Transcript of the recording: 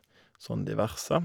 Sånn diverse.